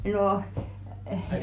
no -